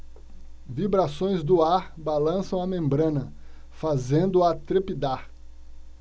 vibrações do ar balançam a membrana fazendo-a trepidar